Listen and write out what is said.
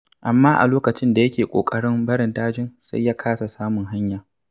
Amma a lokacin da yake ƙoƙarin barin dajin, sai ya kasa samun hanya.